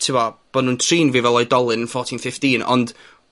ti 'bo', bo' nw'n trin fi fel oedolyn yn fourteen fifteen ond